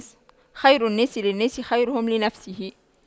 خير الناس للناس خيرهم لنفسه